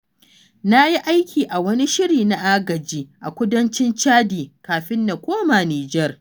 Na yi aiki a wani shiri na agaji a Kudancin Chadi kafin na koma Nijar.